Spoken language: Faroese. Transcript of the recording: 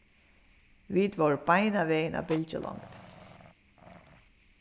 vit vóru beinanvegin á bylgjulongd